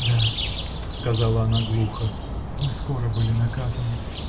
-- Да, -- сказала она глухо, -- мы скоро были наказаны.